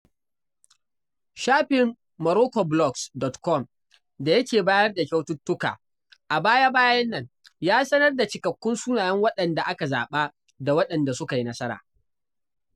Shafin MoroccoBlogs.com da yake bayar da kyaututtuka, a baya-bayan nan ya sanar da cikakkun sunayen waɗanda aka zaɓa da waɗanda suka yi nasara.